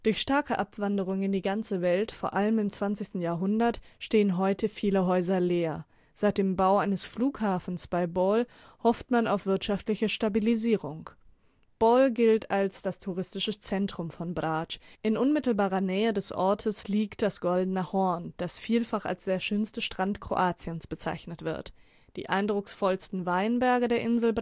starke Abwanderung in die ganze Welt, vor allem im 20. Jahrhundert, stehen heute viele Häuser leer. Seit dem Bau eines Flughafens bei Bol hofft man auf wirtschaftliche Stabilisierung. Bol gilt als das touristische Zentrum von Brač. In unmittelbarer Nähe des Ortes liegt das Goldene Horn, das vielfach als der schönste Strand Kroatiens bezeichnet wird. Die eindrucksvollsten Weinberge der Insel